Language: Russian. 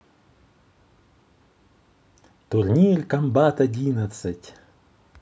турнир kombat одиннадцать